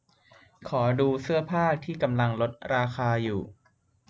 ขอดูเสื้อผ้าที่กำลังลดราคาอยู่